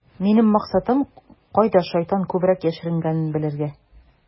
Минем максатым - кайда шайтан күбрәк яшеренгәнен белергә.